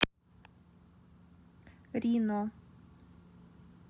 рино